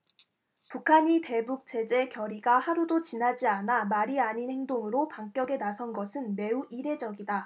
북한이 대북 제재 결의가 하루도 지나지 않아 말이 아닌 행동으로 반격에 나선 것은 매우 이례적이다